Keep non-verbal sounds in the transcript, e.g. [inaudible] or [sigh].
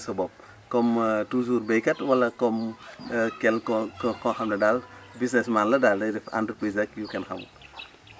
noo gisee sa bopp comme toujours baykat wala comme [noise] [hesitation] quelqu' un koo xam ne daal businesman la daal day def entreprise rek yu kenn xamul [noise]